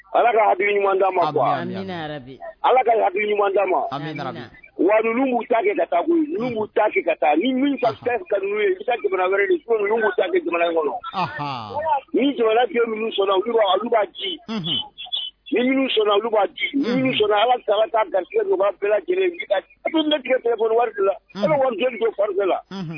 Ala kadu ɲuman ala kadu ɲuman wa ta ta taau ni jamana' ji ni ala warila